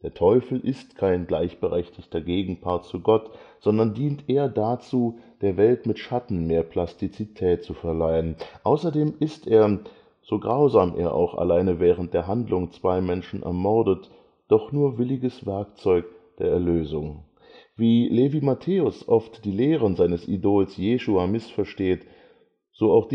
Teufel ist kein gleichberechtigter Gegenpart zu Gott, sondern dient eher dazu, der Welt mit Schatten mehr Plastizität zu verleihen. Außerdem ist er, so grausam er auch alleine während der Handlung zwei Menschen ermordet, doch nur williges Werkzeug der Erlösung. Wie Levi Matthäus oft die Lehren seines Idols Jeschua missversteht, so